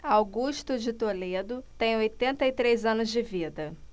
augusto de toledo tem oitenta e três anos de vida